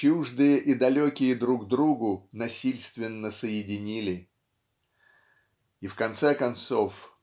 чуждые и далекие друг другу насильственно соединили. И в конце-концов